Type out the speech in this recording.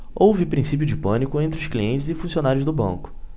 houve princípio de pânico entre os clientes e funcionários do banco